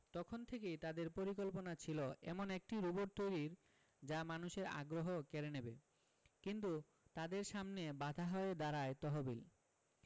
তখন থেকেই তাদের পরিকল্পনা ছিল এমন একটি রোবট তৈরির যা মানুষের আগ্রহ কেড়ে নেবে কিন্তু তাদের সামনে বাধা হয়ে দাঁড়ায় তহবিল